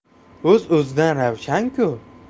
o'z o'zidan ravshanki